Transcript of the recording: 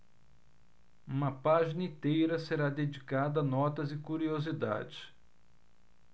uma página inteira será dedicada a notas e curiosidades